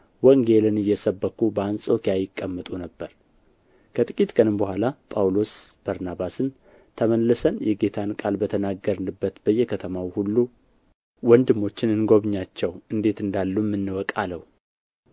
ወንጌልን እየሰበኩ በአንጾኪያ ይቀመጡ ነበር ከጥቂት ቀንም በኋላ ጳውሎስ በርናባስን ተመልሰን የጌታን ቃል በተናገርንበት በየከተማው ሁሉ ወንድሞችን እንጐብኛቸው እንዴት እንዳሉም እንወቅ አለው